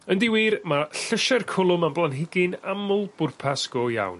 Yndi wir ma' llysie'r cwlwm an blanhigyn aml bwrpas go iawn.